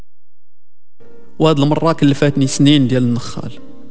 وادي المراه اللي فات نينجا الخال